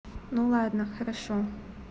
ну ладно хорошо